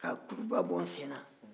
ka kuduba bɔ n sen na